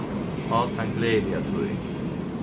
á tann gleðiliga tíð